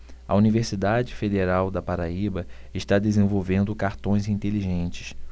a universidade federal da paraíba está desenvolvendo cartões inteligentes